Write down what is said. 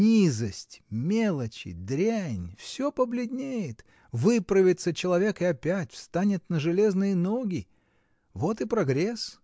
Низость, мелочи, дрянь — всё побледнеет: выправится человек и опять встанет на железные ноги. Вот и прогресс!